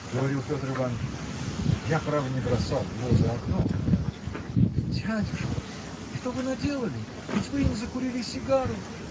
– говорил Петр Иваныч, – я, право, не бросал его за окно. – Дядюшка! что вы наделали? ведь вы им закурили сигару!